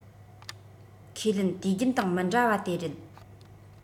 ཁས ལེན དུས རྒྱུན དང མི འདྲ བ དེ རེད